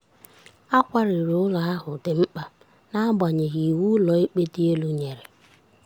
A kwariri ụlọ ahụ dị mkpa na-agbanyeghị Iwu Ụlọikpe Dị Elu nyere.